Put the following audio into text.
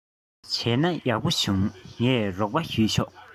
བྱས ན ཡག པོ བྱུང ངས རོགས པ བྱས ཆོག